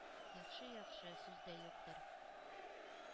— яхшы, яхшы, сүз дә юктыр,